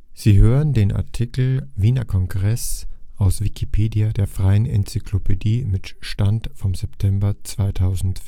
Sie hören den Artikel Wiener Kongress, aus Wikipedia, der freien Enzyklopädie. Mit dem Stand vom Der